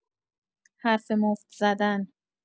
حرف مفت زدن